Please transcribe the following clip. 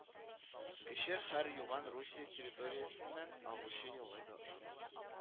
Кече Харь-Юган Русия территориясеннән агучы елга